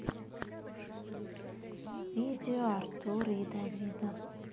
видео артура и давида